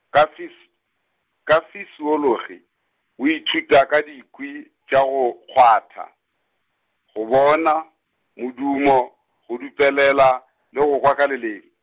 ka fis-, ka fisiologi, o ithuta ka dikwi tša go kgwatha, go bona, modumo, go dupelela, le go kwa ka leleme.